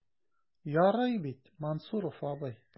Ярый бит, Мансуров абый?